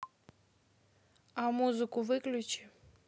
а музыку выключи